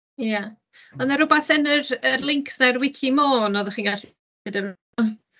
Ia oedd 'na rywbeth yn yr yr links ar wici Môn oeddech chi'n gallu ddefnyddio?